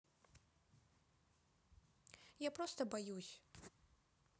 я просто боюсь